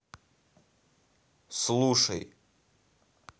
слушай